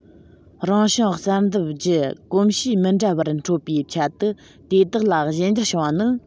རང བྱུང བསལ འདེམས བརྒྱུད གོམས གཤིས མི འདྲ བར འཕྲོད པའི ཆེད དུ དེ དག ལ གཞན འགྱུར བྱུང བ རེད